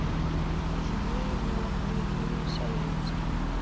живые мертвые фильм советский